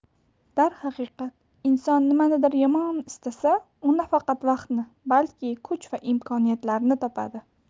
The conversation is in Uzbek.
darhaqiqat inson nimanidir yomon istasa u nafaqat vaqtni balki kuch va imkoniyatlarni topadi